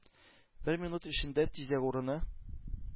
Бер минут эчендә тизәк урыны,